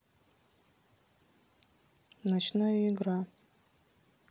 ночная игра